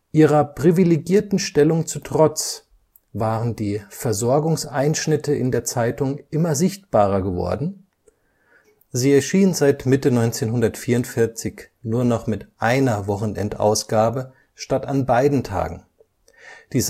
Ihrer privilegierten Stellung zu Trotz waren die Versorgungseinschnitte in der Zeitung immer sichtbarer geworden, sie erschien seit Mitte 1944 nur noch mit einer Wochenendausgabe statt an beiden Tagen, die